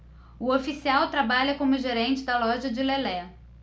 o oficial trabalha como gerente da loja de lelé